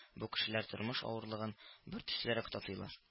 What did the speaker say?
Бу кешеләр тормыш авырлыгын бертөслерәк татыйлар